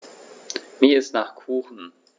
Mir ist nach Kuchen.